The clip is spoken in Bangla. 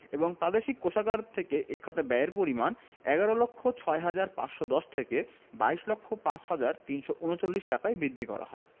এবং প্রাদেশিক কোষাগার থেকে এ খাতে ব্যয়ের পরিমাণ ১১ লক্ষ ৬ হাজার ৫১০ টাকা থেকে ২২ লক্ষ ৫ হাজার ৩৩৯ টাকায় বৃদ্ধি করা হয়